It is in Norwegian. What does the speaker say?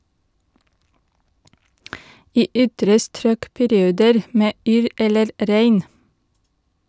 I ytre strøk perioder med yr eller regn.